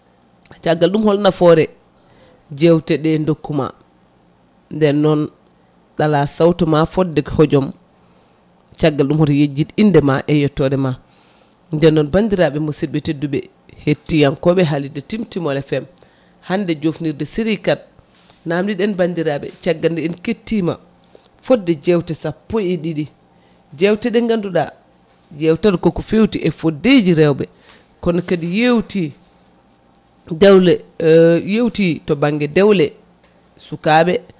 caggal ɗum hol nafoore jewteɗe dokkuma nden noon ɗala sawtoma fodde hojom caggal ɗum hoto jejjid indema e yettode ma nden noon bandiraɓe musidɓe tedduɓe hettiyankoɓe haalirde Timtimol FM hande jofnirde série 4 namdi ɗen bandiraɓe caggal nde en kettima fodde jewte sappo e ɗiɗi jewte ɗe ganduɗa jewtata koko fewti e foddeji rewɓe konokadi yewti dewle yewti to banggue dewle sukaɓe